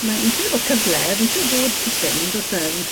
Mae'n fi'n credu bod cyfle fi'n siŵr bod tipyn yndoes e fi'n